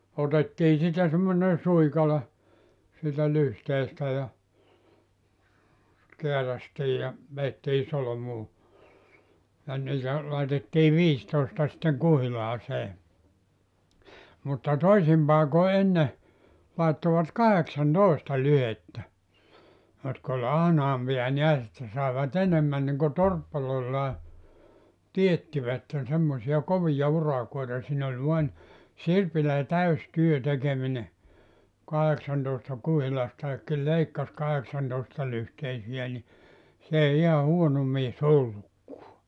otettiin siitä semmoinen suikale siitä lyhteestä ja kääräistiin ja vedettiin solmuun ja niitä laitettiin viisitoista sitten kuhilaaseen mutta toisin paikoin ennen laittoivat kahdeksantoista lyhdettä jotka oli ahnaampia näet että saivat enemmän niin kuin torppareillaan teettivät semmoisia kovia urakoita siinä oli vain sirpillä täysi työ tekeminen kahdeksantoista kuhilastakin leikkasi kahdeksantoistalyhteisiä niin se ei ihan huono mies ollutkaan